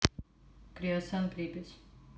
kreosan припять